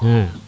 xa